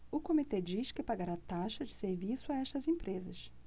o comitê diz que pagará taxas de serviço a estas empresas